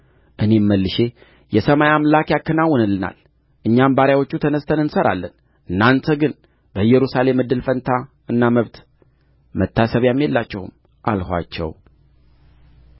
እኔም መልሼ የሰማይ አምላክ ያከናውንልናል እኛም ባሪያዎቹ ተነሥተን እንሠራለን እናንተ ግን በኢየሩሳሌም እድል ፈንታና መብት መታሰቢያም የላችሁም አልኋቸው